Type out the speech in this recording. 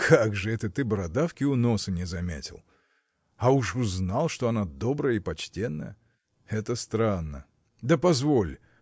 – Как же это ты бородавки у носа не заметил а уж узнал что она добрая и почтенная? это странно. Да позволь.